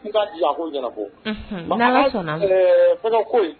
N diya ko yɛrɛ ko fɛ ko